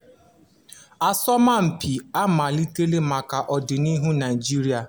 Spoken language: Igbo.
Asọmụmpi amaliteela maka ọdịnihu Nigeria